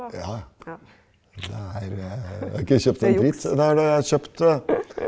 ja ja det er jeg har ikke kjøpt en drit der det kjøpte.